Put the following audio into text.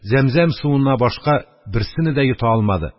Зәмзәм суына башка берсене дә йота алмады.